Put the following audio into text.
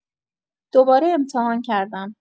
دوباره امتحان کردم.